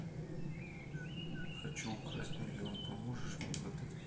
хочу украсть миллион поможешь мне в этом